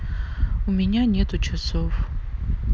у меня нету часов